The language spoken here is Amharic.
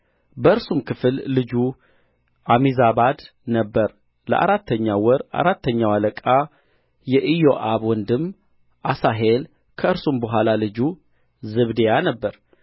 በእርሱም ክፍል ልጁ ዓሚዛባድ ነበረ ለአራተኛው ወር አራተኛው አለቃ የኢዮአብ ወንድም አሣሄል ከእርሱም በኋላ ልጁ ዝባድያ ነበረ